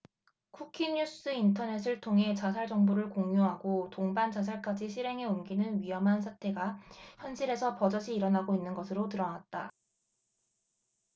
쿠키뉴스 인터넷을 통해 자살 정보를 공유하고 동반자살까지 실행에 옮기는 위험한 사태가 현실에서 버젓이 일어나고 있는 것으로 드러났다